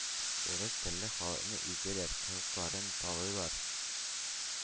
«урыс телле халык»ны изәләр, хокукларын талыйлар,